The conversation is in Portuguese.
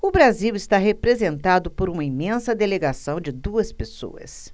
o brasil está representado por uma imensa delegação de duas pessoas